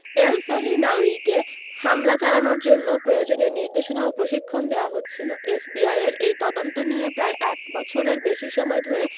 এলসহিনাউয়িকে হামলা চালানোর জন্য প্রয়োজনীয় নির্দেশনা ও প্রশিক্ষণ দেওয়া হচ্ছিল এফবিআইয়ের এই তদন্ত নিয়ে প্রায় এক বছরের বেশি সময় ধরে